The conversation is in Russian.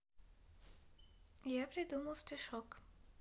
я придумал стишок